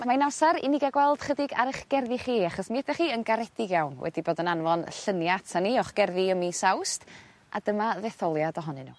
ma' mae'n amsar i ni ga'l gweld chydig ar 'ych gerddi chi achos mi ydach chi yn garedig iawn wedi bod yn anfon y llunia ata ni o'ch gerddi ym mis Awst a dyma ddetholiad ohonyn n'w.